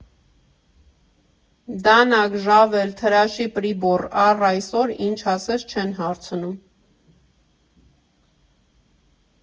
Դանակ, ժավել, թրաշի պրիբոռ՝ առ այսօր ինչ ասես չեն հարցնում։